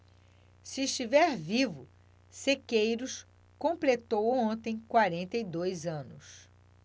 se estiver vivo sequeiros completou ontem quarenta e dois anos